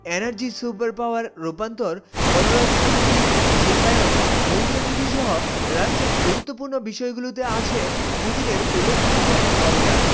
energy super power রূপান্তর পররাষ্ট্রনীতির শিল্পায়ন ধর্মীয় নীতি সহ রাষ্ট্রের গুরুত্বপূর্ণ বিষয় গুলোতে আছে পুতিনের উল্লেখযোগ্য অবদান়